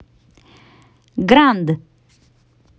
grand